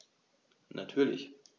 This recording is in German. Natürlich.